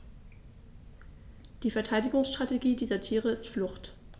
Die Verteidigungsstrategie dieser Tiere ist Flucht.